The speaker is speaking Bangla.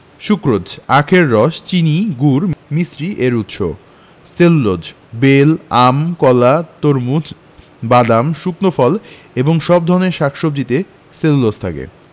সুক্রোজ আখের রস চিনি গুড় মিছরি এর উৎস সেলুলোজ বেল আম কলা তরমুজ বাদাম শুকনো ফল এবং সব ধরনের শাক সবজিতে সেলুলোজ থাকে